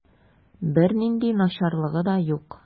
Бернинди начарлыгы да юк.